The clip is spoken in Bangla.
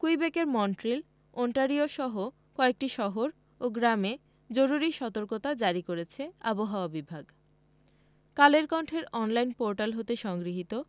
কুইবেকের মন্ট্রিল ওন্টারিওসহ কয়েকটি শহর ও গ্রামে জরুরি সতর্কতা জারি করেছে আবহাওয়া বিভাগ কালের কন্ঠের অনলাইন পোর্টাল হতে সংগৃহীত